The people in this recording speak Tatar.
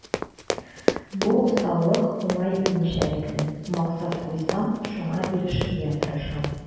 Бу усаллык уңай үзенчәлекле: максат куйсам, шуңа ирешергә тырышам.